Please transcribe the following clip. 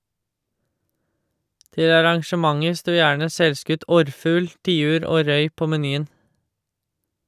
Til arrangementer står gjerne selvskutt orrfugl, tiur og røy på menyen.